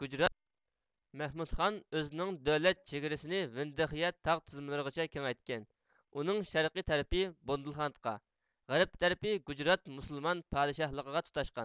مەھمۇدخان ئۆزىنىڭ دۆلەت چېگرىسىنى ۋىندخىيە تاغ تىزمىلىرىغىچە كېڭەيتكەن ئۇنىڭ شەرقىي تەرىپى بوندېلخاندغا غەرپ تەرىپى گۇجرات مۇسۇلمان پادىشاھلىقىغا تۇتاشقان